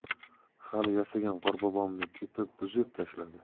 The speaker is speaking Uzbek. hali yasagan qorbobomni tepib buzib tashladi